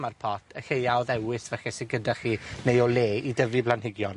ma'r pot, y lleia o ddewis, felly, sy gyda chi, neu o le i dyfu blanhigion.